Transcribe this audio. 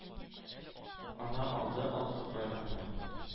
Ана алды алсу байракны,